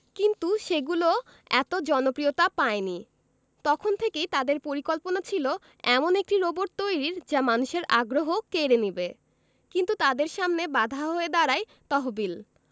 কিন্তু সেগুলো এত জনপ্রিয়তা পায়নি তখন থেকেই তাদের পরিকল্পনা ছিল এমন একটি রোবট তৈরির যা মানুষের আগ্রহ কেড়ে নেবে কিন্তু তাদের সামনে বাধা হয়ে দাঁড়ায় তহবিল